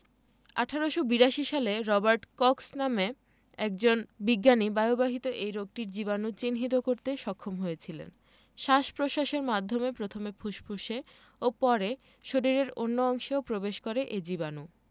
১৮৮২ সালে Robert Cox নামে একজন বিজ্ঞানী বায়ুবাহিত এ রোগটির জীবাণু চিহ্নিত করতে সক্ষম হয়েছিলেন শ্বাস প্রশ্বাসের মাধ্যমে প্রথমে ফুসফুসে ও পরে শরীরের অন্য অংশেও প্রবেশ করে এ জীবাণু